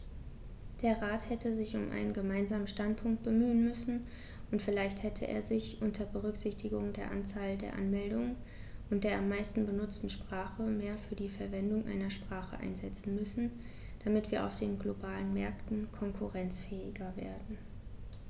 Der Rat hätte sich um einen gemeinsamen Standpunkt bemühen müssen, und vielleicht hätte er sich, unter Berücksichtigung der Anzahl der Anmeldungen und der am meisten benutzten Sprache, mehr für die Verwendung einer Sprache einsetzen müssen, damit wir auf den globalen Märkten konkurrenzfähiger werden.